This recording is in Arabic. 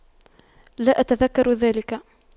لا أتذكر ذلك